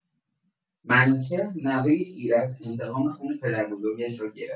منوچهر، نوۀ ایرج، انتقام خون پدربزرگش را گرفت.